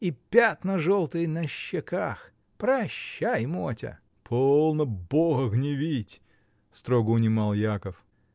И пятна желтые на щеках: прощай, Мотя. — Полно Бога гневить! — строго унимал Яков.